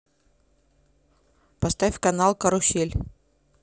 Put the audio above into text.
поставь канал карусель